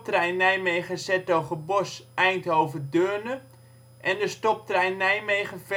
Nijmegen -' s-Hertogenbosch (Eindhoven-Deurne) en de stoptrein Nijmegen